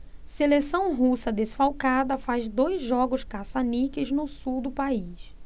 seleção russa desfalcada faz dois jogos caça-níqueis no sul do país